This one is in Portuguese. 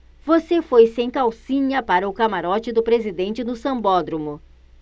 você foi sem calcinha para o camarote do presidente no sambódromo